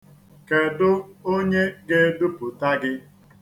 Kedụ onye ga-edupụta gị?